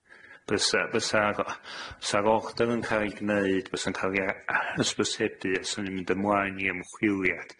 Bysa, fysa'r o- fysa'r order yn ca'l 'i gneud, bysa'n ca'l ei a- hysbysebu, a fysan ni'n mynd ymlaen i ymchwiliad,